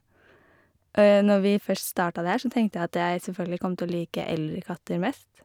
Når vi først starta det her så tenkte jeg at jeg selvfølgelig kom til å like eldre katter mest.